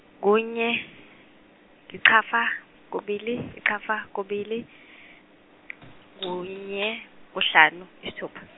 kunye, yichashaza kubili yichashaza kubili kunye kuhlanu isithupha.